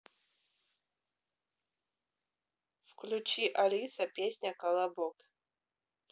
включи алиса песня колобок